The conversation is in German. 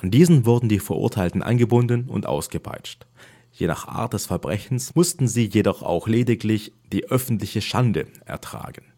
diesen wurden die Verurteilten angebunden und ausgepeitscht. Je nach Art des Verbrechens mussten sie jedoch auch lediglich die öffentliche Schande ertragen